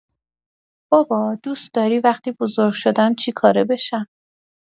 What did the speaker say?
بابا، دوست‌داری وقتی بزرگ شدم چی‌کاره بشم؟